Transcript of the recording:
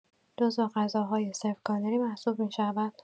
جزو غذاهای صفر کالری محسوب می‌شود.